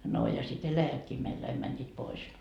no ja sitten eläjätkin meiltä aina menivät pois